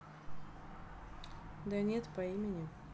да нет по имени